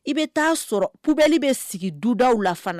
I bɛ taaa sɔrɔ pbli bɛ sigi duda la fana